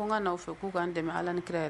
Ko n ka n'aw fɛ k'u ka n dɛmɛ allah ni kira yɛr ɛ